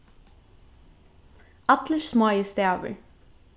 allir smáir stavir